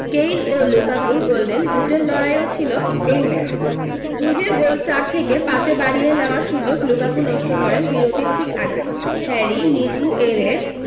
Kane ও লুকাকুর golden বুটের লড়াইও ছিল এই ম্যাচ নিজের গোল চার থেকে পাঁচে বাড়িয়ে নেওয়ার সুযোগ লুকাকু নষ্ট করেন বিরতির ঠিক আগে হ্যারি মিগুয়েরের